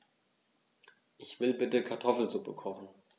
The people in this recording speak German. Ich will bitte Kartoffelsuppe kochen.